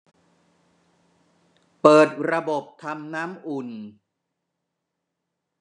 เปิดระบบทำน้ำอุ่น